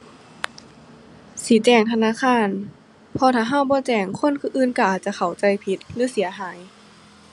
สิแจ้งธนาคาร เพราะถ้าเราบ่แจ้งคนผู้อื่นเราอาจจะเข้าใจผิด หรือเสียหาย